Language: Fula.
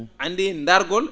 anndii ndaargol